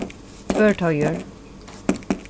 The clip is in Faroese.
tvørteigur